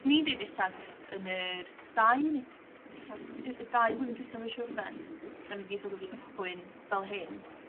'Swn i'n deud ella jyst yn yr dau neu ella y y dau flwyddyn dwitha mae siŵr 'de? 'Dan ni 'di sort of cychwyn fel hyn.